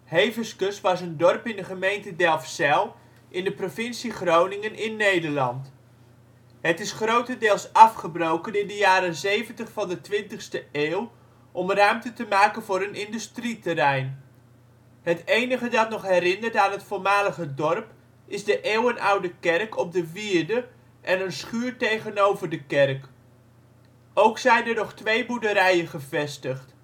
Heveskes was een dorp in de gemeente Delfzijl in de provincie Groningen in Nederland. Het is grotendeels afgebroken in de jaren zeventig van de twintigste eeuw om ruimte te maken voor een industrieterrein. Het enige dat nog herinnert aan het voormalige dorp is de eeuwenoude kerk op de wierde en een schuur tegenover de kerk. Ook zijn er nog twee boerderijen gevestigd